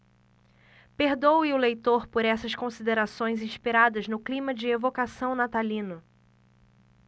perdoe o leitor por essas considerações inspiradas no clima de evocação natalino